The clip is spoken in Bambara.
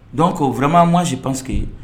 Don ko vma waati si panseke yen